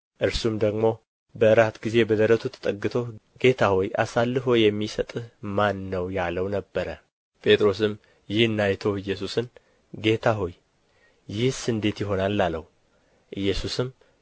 እርሱም ደግሞ በእራት ጊዜ በደረቱ ተጠግቶ ጌታ ሆይ አሳልፎ የሚሰጥህ ማን ነው ያለው ነበረ ጴጥሮስም ይህን አይቶ ኢየሱስን ጌታ ሆይ ይህስ እንዴት ይሆናል አለው ኢየሱስም